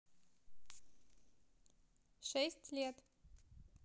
шесть лет